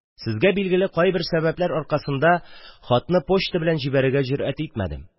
Сезгә билгеле кайбер сәбәпләр аркасында, хатны почта белән җибәрергә җөрьәт итмәдем.